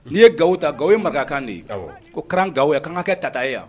N'i ye gawo ta gawo ye makan de ye ko gaya kan ka kɛ tata wa